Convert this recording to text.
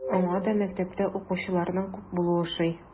Аңа да мәктәптә укучыларның күп булуы ошый.